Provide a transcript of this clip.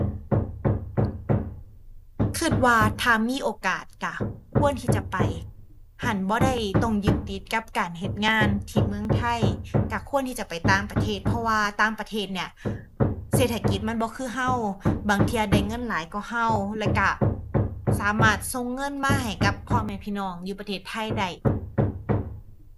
คิดว่าถ้ามีโอกาสคิดควรที่จะไป หั้นบ่ได้ต้องยึดติดกับการเฮ็ดงานที่เมืองไทยคิดควรที่จะไปต่างประเทศ เพราะว่าต่างประเทศเนี่ย เศรษฐกิจมันบ่คือคิด บางเที่ยได้เงินหลายกว่าคิด แล้วคิดสามารถส่งเงินมาให้กับพ่อแม่พี่น้องอยู่ประเทศไทยได้